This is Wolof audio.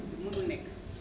mënul nekk